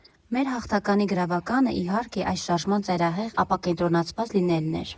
Մեր հաղթանակի գրավականը, իհարկե, այս շարժման ծայրահեղ ապակենտրոնացված լինելն էր։